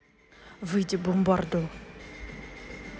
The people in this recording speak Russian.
выйди бумбарду